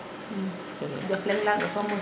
jaf leŋ laga soom moso